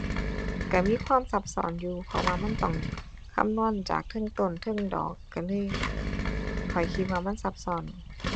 ก็มีความซับซ้อนอยู่ เพราะว่ามันต้องคำนวณจากเทิงต้นเทิงดอก ก็เลย ข้อยคิดว่ามันซับซ้อน